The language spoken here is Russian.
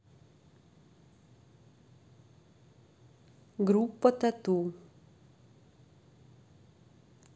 группа тату